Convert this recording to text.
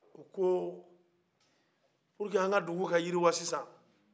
u ko walasa an dugu ka yiriwa sisan